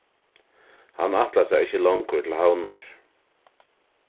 hann ætlar sær ikki longur til havnar